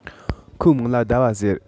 ཁོའི མིང ལ ཟླ བ ཟེར